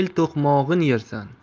el to'qmog'in yersan